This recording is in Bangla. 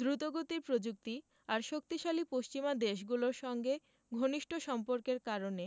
দ্রুতগতির প্রযুক্তি আর শক্তিশালী পশ্চিমা দেশগুলোর সঙ্গে ঘনিষ্ঠ সম্পর্কের কারণে